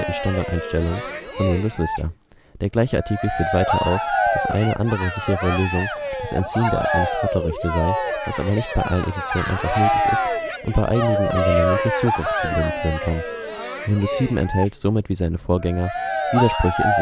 Standardeinstellung von Windows Vista. Der gleiche Artikel führt weiter aus, dass eine andere sichere Lösung das Entziehen der Administrator-Rechte sei, was aber nicht bei allen Editionen einfach möglich ist und bei einigen Anwendungen zu Zugriffs-Problemen führen kann. Windows 7 enthält somit wie seine Vorgänger Widersprüche im